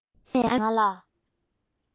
ཨ མས ང ལ